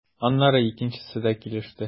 Аннары икенчесе дә килеште.